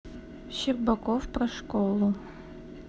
щербаков про школу